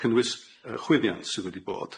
cynwys yy chwyddiant sydd wedi bod.